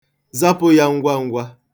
Zapụ ya ngwa ngwa.